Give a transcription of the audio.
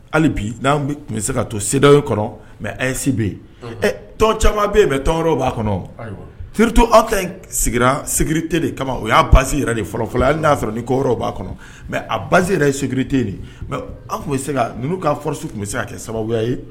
Hali bi n'an tun bɛ se ka to seda kɔnɔ mɛ ɛsi bɛ yen ɛ tɔn caman bɛ yen mɛ tɔnw b'a kɔnɔ fi to aw ka sigira tɛ de kama o y'a basi yɛrɛ de fɔlɔfɔlɔ yan y'a sɔrɔ kɔw b'a kɔnɔ mɛ a basise yɛrɛ tɛ mɛ an tun bɛ se ka fɔsiw tun bɛ se ka kɛ sababuya ye